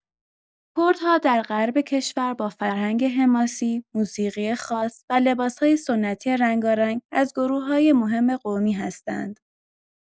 کردها در غرب کشور با فرهنگ حماسی، موسیقی خاص و لباس‌های سنتی رنگارنگ، از گروه‌های مهم قومی هستند.